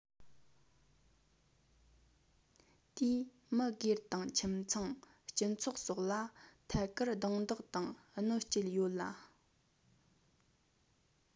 དེས མི སྒེར དང ཁྱིམ ཚང སྤྱི ཚོགས སོགས ལ ཐད ཀར རྡུང རྡེག དང གནོད སྐྱེལ ཡོད ལ